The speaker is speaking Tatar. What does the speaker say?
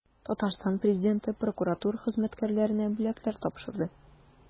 Татарстан Президенты прокуратура хезмәткәрләренә бүләкләр тапшырды.